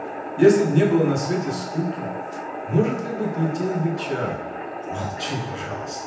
— Если б не было на свете скуки! Может ли быть лютее бича? — Молчи, пожалуйста!